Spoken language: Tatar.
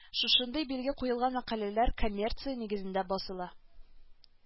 Шушындый билге куелган мәкаләләр коммерция нигезендә басыла